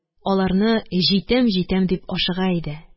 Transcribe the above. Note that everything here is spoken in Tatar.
Аларны җитәм-җитәм дип ашыга иде